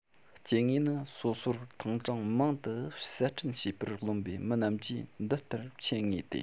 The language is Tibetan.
སྐྱེ དངོས ནི སོ སོར ཐེངས གྲངས མེད དུ གསར སྐྲུན བྱས པར རློམ པའི མི རྣམས ཀྱིས འདི ལྟར འཆད ངེས ཏེ